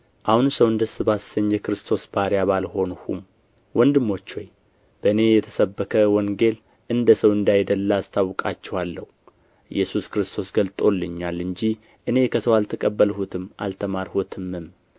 አሁን ሰውን ደስ ባሰኝ የክርስቶስ ባሪያ ባልሆንሁም ወንድሞች ሆይ በእኔ የተሰበከ ወንጌል እንደ ሰው እንዳይደለ አስታውቃችኋለሁ ኢየሱስ ክርስቶስ ገልጦልኛል እንጂ እኔ ከሰው አልተቀበልሁትም አልተማርሁትምም